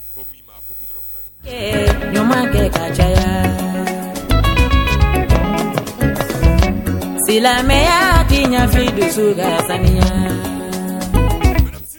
San yokɛ ka caya silamɛ'iyafe ka diɲɛ